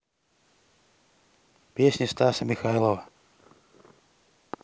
песни стаса михайлова